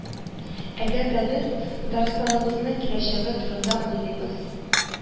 Әгәр дә без Татарстаныбызның киләчәге турында уйлыйбыз